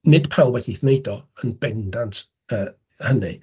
Nid pawb allith wneud o yn bendant yy hynny.